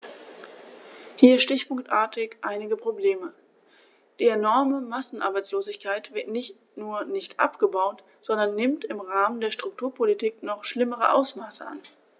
Hier stichpunktartig einige Probleme: Die enorme Massenarbeitslosigkeit wird nicht nur nicht abgebaut, sondern nimmt im Rahmen der Strukturpolitik noch schlimmere Ausmaße an.